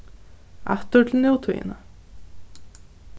aftur til nútíðina